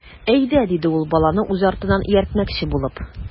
Әйдә,— диде ул, баланы үз артыннан ияртмөкче булып.